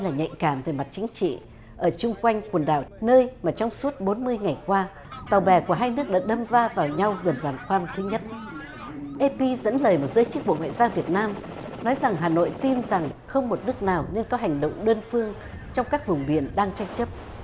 là nhạy cảm về mặt chính trị ở chung quanh quần đảo nơi mà trong suốt bốn mươi ngày qua tàu bè của hai nước được đâm va vào nhau gần giàn khoan thứ nhất ây pi dẫn lời một giới chức bộ ngoại giao việt nam nói rằng hà nội tin rằng không một nước nào nên có hành động đơn phương trong các vùng biển đang tranh chấp